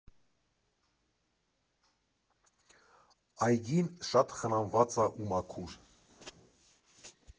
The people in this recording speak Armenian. Այգին շատ խնամված ա ու մաքուր։